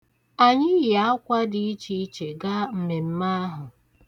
Anyị yi akwa dị ichiiche ga mmemme ahụ.